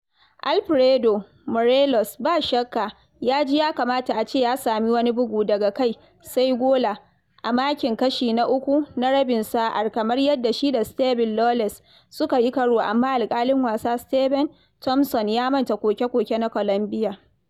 Alfredo Morelos ba shakka ya ji ya kamata a ce ya sami wani bugu daga kai sai gola a makin kashi na uku na rabin sa’a kamar yadda shi da Steven Lawless suka yi karo amma alƙalin wasa Steven Thomson ya manta koke-koke na Colombia.